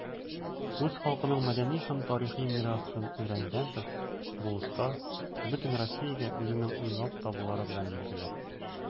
Үз халкының мәдәни һәм тарихи мирасын өйрәнүдән тыш, бу оста бөтен Россиягә үзенең уйлап табулары белән билгеле.